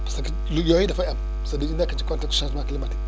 parce que lu yooyu dafay am parce que dañu nekk si contexte changement climatique